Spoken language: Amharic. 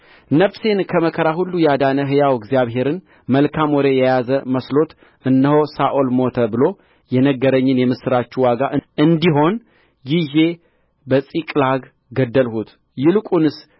ነፍሴን ከመከራ ሁሉ ያዳነ ሕያው እግዚአብሔርን መልካም ወሬ የያዘ መስሎት እነሆ ሳኦል ሞተ ብሎ የነገረኝን የምስራቹ ዋጋ እንዲሆን ይዤ በጺቅላግ ገደልሁት ይልቁንስ